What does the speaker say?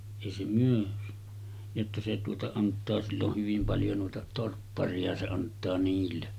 ei se myy jotta se tuota antaa sillä on hyvin paljon noita torpparia se antaa niille